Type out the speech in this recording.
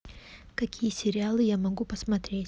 какие сериалы я могу посмотреть